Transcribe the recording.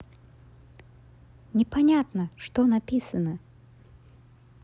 resident evil семь на playstation три супер сын